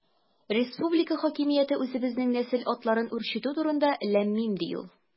Республика хакимияте үзебезнең нәсел атларын үрчетү турында– ләм-мим, ди ул.